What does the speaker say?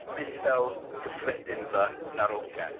Bithaud kyffredin vy darogan